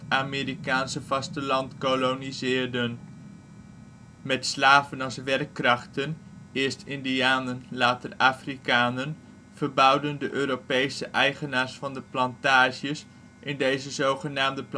Amerikaanse vasteland koloniseerden. Met slaven als werkkrachten - eerst Indianen, later Afrikanen - verbouwden de Europese eigenaars van de plantages in deze zogenaamde